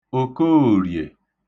Òkoòrìè